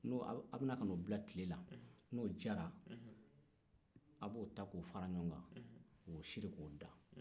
aw bɛ n'o bila tile la n'o jara aw b'o ta k'o fara ɲɔgɔn kan k'o siri k'o da